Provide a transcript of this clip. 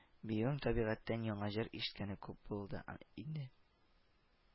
Биюең табигатьтән яңа җыр ишеткәне күп булды ыинде